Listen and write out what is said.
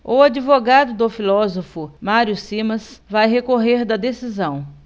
o advogado do filósofo mário simas vai recorrer da decisão